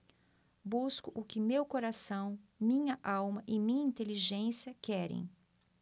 busco o que meu coração minha alma e minha inteligência querem